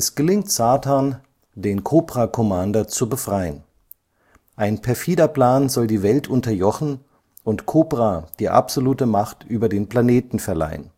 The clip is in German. gelingt Zartan, den Cobra Commander zu befreien. Ein perfider Plan soll die Welt unterjochen und Cobra die absolute Macht über den Planeten verleihen